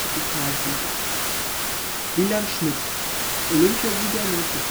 Pokalsieger) Wieland Schmidt (Olympiasieger 1980